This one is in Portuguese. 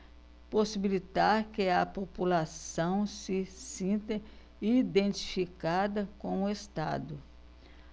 possibilitar que a população se sinta identificada com o estado